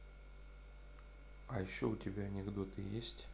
а еще у тебя анекдоты есть